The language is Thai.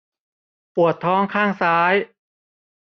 ปวดท้องข้างซ้าย